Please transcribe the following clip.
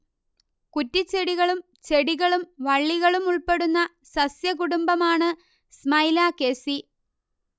കുറ്റിച്ചെടികളും ചെടികളും വള്ളികളും ഉൾപ്പെടുന്ന സസ്യകുടുംബമാണ് സ്മൈലാക്കേസീ